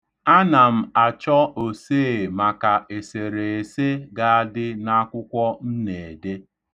Ana m achọ osee maka esereese ga-adị n'akwụkwọ m na-ede.